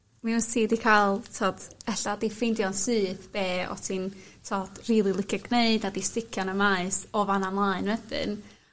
...mi wyt ti 'di ca'l t'od e'lla 'di ffeindio'n syth be' o't ti'n t'od rili licio gneud a 'di sticio yn y maes o fan 'na mlaen wedyn.